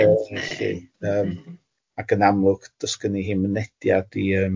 ...yy felly yym ac yn amlwg does gynnu hi'm mynediad i yym